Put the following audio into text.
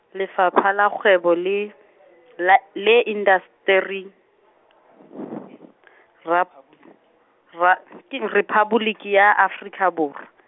Lefapha la Kgwebo le , la, le Indasteri , Rap-, Ra-, keng Rephaboliki ya Afrika Bor- .